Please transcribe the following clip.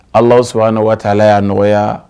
Ala sɔnna an nɔgɔtaala yan nɔgɔya